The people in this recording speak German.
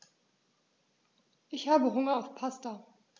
Ich habe Hunger auf Pasta.